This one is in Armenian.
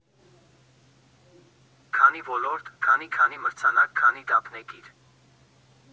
Քանի ոլորտ, քանի քանի մրցանակ և քանի դափնեկիր։